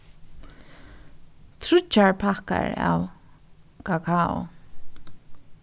tríggjar pakkar av kakao